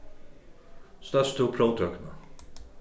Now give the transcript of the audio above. stóðst tú próvtøkuna